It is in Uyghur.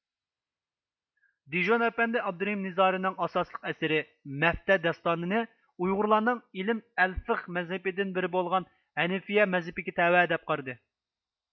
دىژون ئەپەندى ئابدۇرېھىم نىزارىنىڭ ئاساسلىق ئەسىرى مەفتە داستانى نى ئۇيغۇرلارنىڭ ئىلىم ئەلفىخ مەزھىپىدىن بىرى بولغان ھەنىفىيە مەزھىپىگە تەۋە دەپ قارىدى